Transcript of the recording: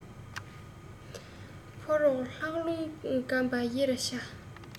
ཕོ རོག ལྷགས རླུང འགམ པ ཡི རེ འཕྱ